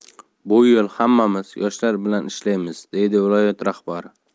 bu yil hammamiz yoshlar bilan ishlaymiz dedi viloyat rahbari